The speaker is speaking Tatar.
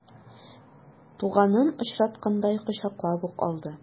Туганын очраткандай кочаклап ук алды.